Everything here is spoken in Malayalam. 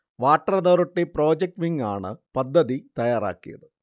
വാട്ടർ അതോറിട്ടി പ്രോജക്റ്റ് വിങ് ആണ് പദ്ധതി തയ്യാറാക്കിയത്